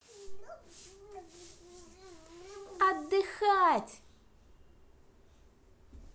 отдыхать